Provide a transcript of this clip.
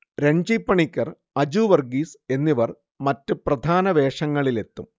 രൺജി പണിക്കർ, അജു വർഗ്ഗീസ് തുടങ്ങിയവർ മറ്റ് പ്രധാന വേഷങ്ങളിലെത്തും